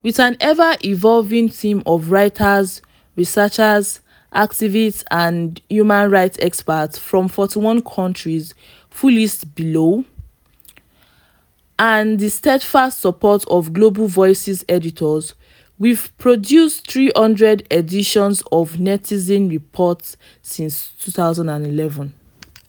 With an ever-evolving team of writers, researchers, activists and human rights experts from 41 countries (full list below) and the steadfast support of Global Voices editors, we’ve produced 300 editions of the Netizen Report since 2011.